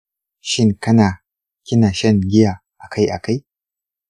shin kana/kina shan giya a kai-a kai?